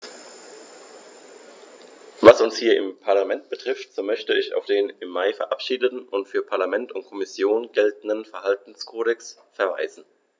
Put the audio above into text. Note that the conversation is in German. Was uns hier im Parlament betrifft, so möchte ich auf den im Mai verabschiedeten und für Parlament und Kommission geltenden Verhaltenskodex verweisen.